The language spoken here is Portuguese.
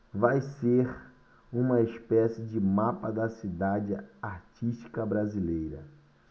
vai ser uma espécie de mapa da cidade artística brasileira